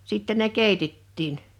sitten ne keitettiin